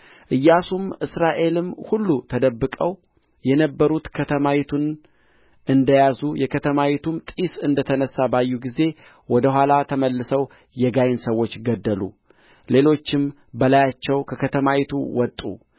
ኢያሱም እስራኤልም ሁሉ ተደብቀው የነበሩት ከተማይቱን እንደ ያዙ የከተማይቱም ጢስ እንደ ተነሣ ባዩ ጊዜ ወደ ኋላ ተመልሰው የጋይን ሰዎች ገደሉ ሌሎቹም በላያቸው ከከተማይቱ ወጡ